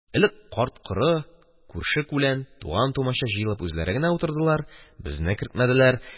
Элек карт-коры, күрше-күлән, туган-тумача җыелып, үзләре генә утырдылар, безне кертмәделәр.